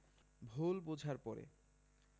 ভুল বোঝার পরে